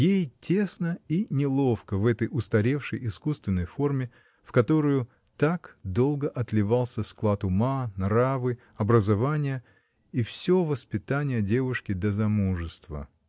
Ей тесно и неловко в этой устаревшей, искусственной форме, в которую так долго отливался склад ума, нравы, образование и всё воспитание девушки до замужества.